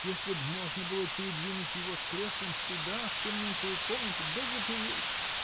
Если б можно было передвинуть его с креслом сюда, в темненькую комнату, да запереть!